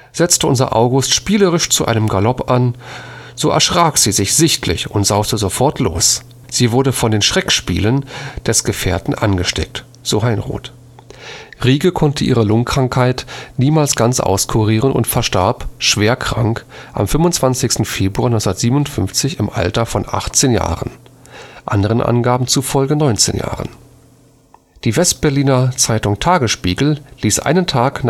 Setzte unser August spielerisch zu einem Galopp an, so erschrak sie sichtlich und sauste sofort los. Sie wurde von den Schreckspielen des Gefährten angesteckt “, so Heinroth. Rieke konnte ihre Lungenkrankheit niemals ganz auskurieren und verstarb, schwer krank, am 25. Februar 1957 im Alter von 18 Jahren (anderen Angaben zufolge 19 Jahren). Die West-Berliner Zeitung Tagesspiegel ließ einen Tag